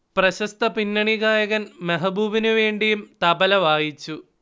പ്രശസ്ത പിന്നണിഗായകൻ മെഹബൂബിനു വേണ്ടിയും തബല വായിച്ചു